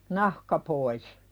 nahka pois